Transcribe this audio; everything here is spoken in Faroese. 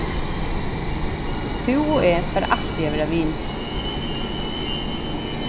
tú og eg fara altíð at vera vinir